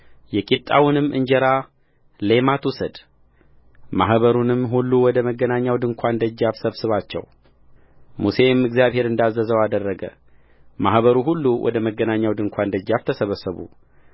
የቂጣውንም እንጀራ ሌማት ውሰድማኅበሩንም ሁሉ ወደ መገናኛው ድንኳን ደጃፍ ሰብስባቸውሙሴም እግዚአብሔር እንዳዘዘው አደረገ ማኅበሩ ሁሉ ወደ መገናኛው ድንኳን ደጃፍ ተሰበሰቡ